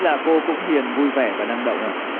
là cô cũng hiền vui vẻ và năng động ạ